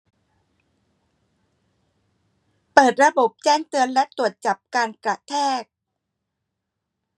เปิดระบบแจ้งเตือนและตรวจจับการกระแทก